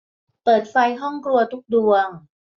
เปิดไฟห้องครัวทุกดวง